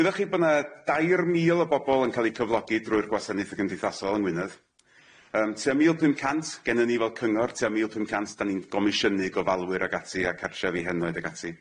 Wyddoch chi bo 'na dair mil o bobol yn ca'l 'i cyflogi drwy'r gwasanaethe cymdeithasol yng Ngwynedd yym tua mil pum cant gennyn ni fel cyngor tua mil pum cant 'dan ni'n gomisiynu gofalwyr ag ati a cartrefi henoed ag ati.